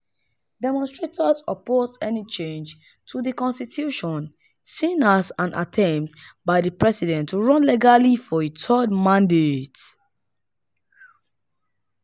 Demonstrators oppose any change to the constitution seen as an attempt by the president to run legally for a third mandate.